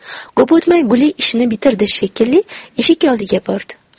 ko'p o'tmay guli ishini bitirdi shekilli eshik oldiga bordi